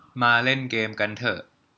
มาเล่นเกมส์กันเถอะ